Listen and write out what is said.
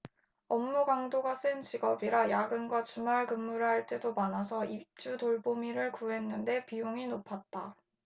업무 강도가 센 직업이라 야근과 주말근무를 할 때도 많아서 입주돌보미를 구했는데 비용이 높았다